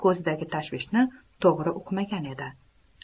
hamrohi ko'zidagi tashvishni to'g'ri uqmagan edi